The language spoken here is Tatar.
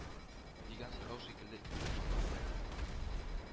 Дигән сорау шикелле иттереп аңлады